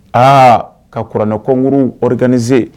A ka kuranɛkuruɔrikanie